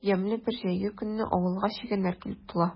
Ямьле бер җәйге көнне авылга чегәннәр килеп тула.